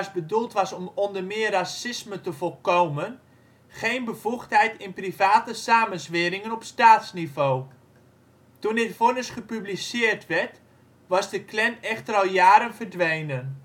bedoeld was om onder meer racisme te voorkomen - geen bevoegdheid zou hebben in private samenzweringen op staatsniveau. Toen dit vonnis gepubliceerd werd, was de clan echter al jaren verdwenen